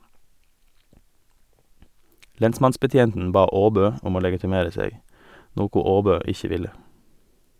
Lensmannsbetjenten bad Åbø om å legitimera seg , noko Åbø ikkje ville.